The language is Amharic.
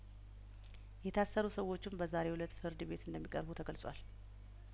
የታሰሩ ሰዎችም በዛሬው እለት ፍርድ ቤት እንደሚቀርቡ ተገልጿል